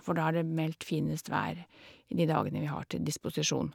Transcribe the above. For da er det meldt finest vær i de dagene vi har til disposisjon.